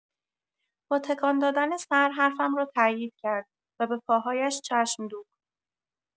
با تکان‌دادن سر حرفم را تایید کرد و به پاهایش چشم دوخت.